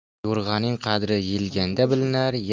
yo'rg'aning qadri yelganda bilinar